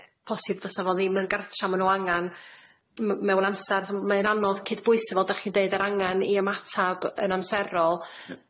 posib fysa fo ddim yn gartra ma' nw angan m- mewn amsar. So m- mae'n anodd cydbwyso fel dach chi'n deud yr angan i ymatab yn amserol